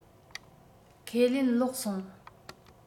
ཁས ལེན ལོག སོང